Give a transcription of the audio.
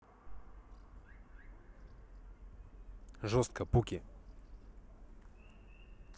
жостка пуки